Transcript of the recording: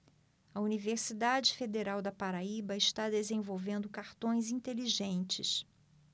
a universidade federal da paraíba está desenvolvendo cartões inteligentes